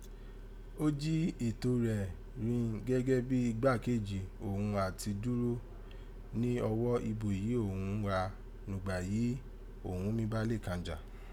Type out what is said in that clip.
O jí ẹ̀tọ́ rẹ̀ rin gẹ́gẹ́ bi ìgbákejì òghun ati dúro ni ọwọ́ ibo èyí òghun gha nùgbà èyí òghun mi bá Lékan jà.